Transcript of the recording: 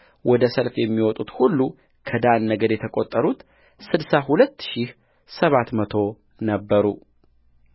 ወደ ሰልፍ የሚወጡት ሁሉከዳን ነገድ የተቈጠሩት ስድሳ ሁለት ሺህ ሰባት መቶ ነበሩ